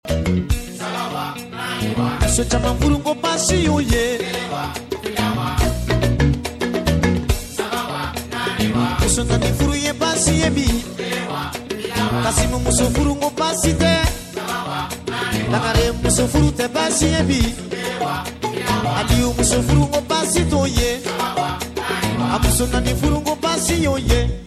Camankubasi y oo ye furu ye yeku tɛ muso furu tɛsi yefkubasi t'o ye furubasi y'o ye